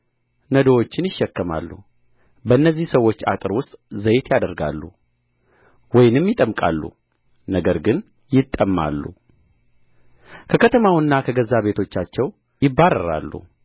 ነዶዎችን ይሸከማሉ በእነዚህ ሰዎች አጥር ውስጥ ዘይት ያደርጋሉ ወይንም ይጠምቃሉ ነገር ግን ይጠማሉ ከከተማውና ከገዛ ቤቶቻቸው ይባረራሉ